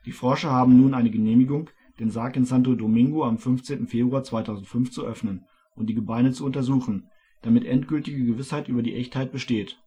Forscher haben nun eine Genehmigung, den Sarg in Santo Domingo am 15. Februar 2005 zu öffnen und die Gebeine zu untersuchen, damit endgültige Gewissheit über die Echtheit besteht